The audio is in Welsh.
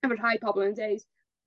a ma' rhai pobol yn deud